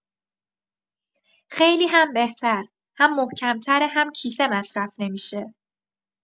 خیلی هم بهتر، هم محکم‌تره هم کیسه مصرف نمی‌شه.